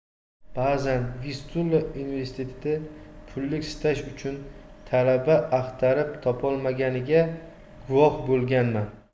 ba'zan vistula universiteti pullik staj uchun talaba axtarib topolmaganiga guvoh bo'lganman